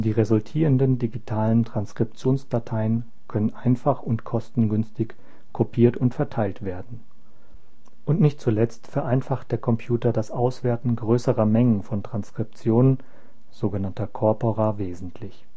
resultierenden digitalen Transkriptionsdateien können einfach und kostengünstig kopiert und verteilt werden; und nicht zuletzt vereinfacht der Computer das Auswerten größerer Mengen von Transkriptionen (sog. Korpora) wesentlich